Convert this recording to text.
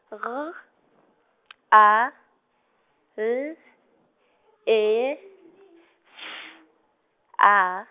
G A L E F A.